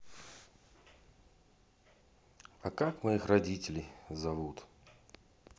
а как моих родителей зовут